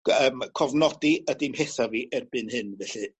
gy- yym cofnodi ydi'm mhetha fi erbyn hyn felly.